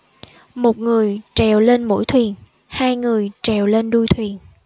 một người trèo lên mũi thuyền hai người trèo lên đuôi thuyền